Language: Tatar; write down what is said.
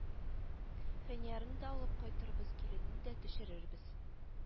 Фәниярны да алып кайтырбыз киленен дә төшерербез